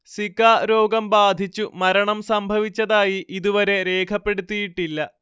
Zika രോഗം ബാധിച്ചു മരണം സംഭവിച്ചതായി ഇതുവരെ രേഖപ്പെടുത്തിയിട്ടില്ല